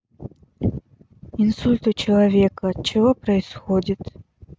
инсульт у человека от чего происходит